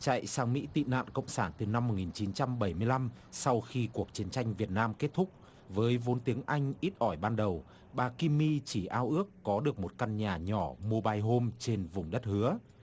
chạy sang mỹ tị nạn cộng sản từ năm một nghìn chín trăm bảy mươi lăm sau khi cuộc chiến tranh việt nam kết thúc với vốn tiếng anh ít ỏi ban đầu bà kim mi chỉ ao ước có được một căn nhà nhỏ mô bai hôm trên vùng đất hứa